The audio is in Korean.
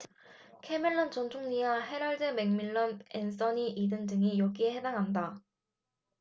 캐머런 전 총리와 해럴드 맥밀런 앤서니 이든 등이 여기에 해당한다